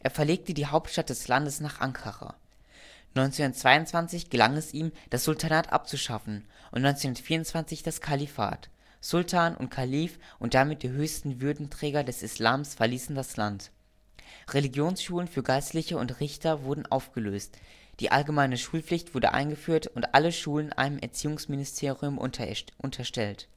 verlegte die Hauptstadt des Landes nach Ankara. 1922 gelang es ihm, das Sultanat abzuschaffen und 1924 das Kalifat. Sultan und Kalif, und damit die höchsten Würdenträger des Islam, verließen das Land. Religionsschulen für Geistliche und Richter wurden aufgelöst, die allgemeine Schulpflicht wurde eingeführt und alle Schulen einem Erziehungsministerium unterstellt